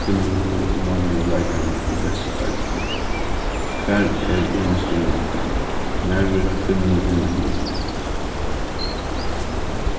kvinnuligu og mannligu leikararnir í í bestu deildini hvar er javnstøðunevndin nær vera kvinnur og menn jøvn